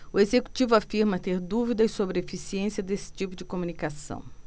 o executivo afirma ter dúvidas sobre a eficiência desse tipo de comunicação